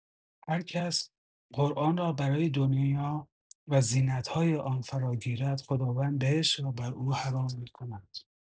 هر کس قرآن را برای دنیا و زینت‌های آن فراگیرد، خداوند بهشت را بر او حرام می‌کند.